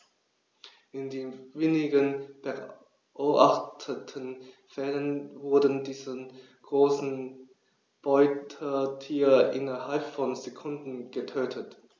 In den wenigen beobachteten Fällen wurden diese großen Beutetiere innerhalb von Sekunden getötet.